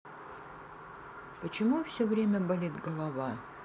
почему все время болит голова